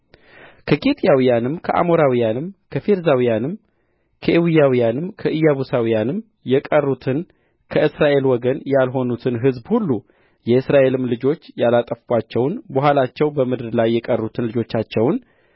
ከኬጢያውያንም ከአሞራውያንም ከፌርዜያውያንም ከኤዊያውያንም ከኢያቡሳውያንም የቀሩትን ከእስራኤል ወገን ያልሆኑትን ሕዝብ ሁሉ የእስራኤልም ልጆች ያላጠፉአቸውን በኋላቸው በምድር ላይ የቀሩትን ልጆቻቸውን